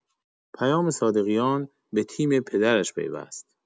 پیام صادقیان به تیم پدرش پیوست!